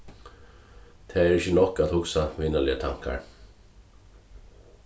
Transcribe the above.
tað er ikki nokk at hugsa vinarligar tankar